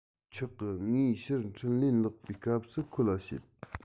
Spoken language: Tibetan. ཆོག གི ངས ཕྱིར འཕྲིན ལན ལོག པའི སྐབས སུ ཁོ ལ བཤད